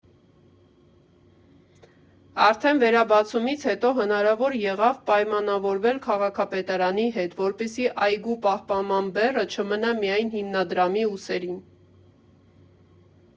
Արդեն վերաբացումից հետո հնարավոր եղավ պայմանավորվել քաղաքապետարանի հետ, որպեսզի այգու պահպանման բեռը չմնա միայն հիմնադրամի ուսերին։